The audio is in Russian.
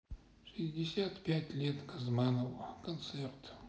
шестьдесят пять лет газманову концерт